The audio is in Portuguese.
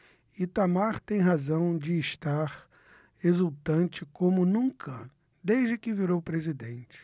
itamar tem razão de estar exultante como nunca desde que virou presidente